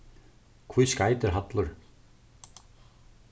hví skeitir hallur